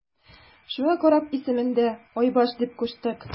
Шуңа карап исемен дә Айбаш дип куштык.